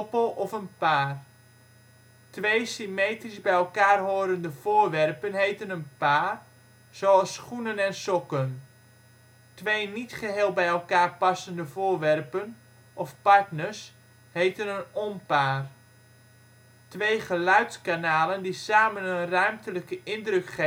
of een paar. Twee (symmetrisch) bij elkaar horende voorwerpen heten een paar, zoals schoenen en sokken. Twee niet geheel bij elkaar passende voorwerpen (of partners) heten een onpaar. Twee geluidskanalen die samen een ruimtelijke indruk geven heten